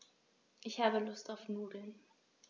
Ich habe Lust auf Nudeln.